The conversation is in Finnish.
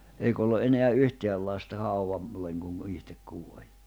eikä ollut enää yhtään lasta - haudalle kun itse kuoli